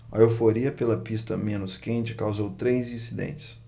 a euforia pela pista menos quente causou três incidentes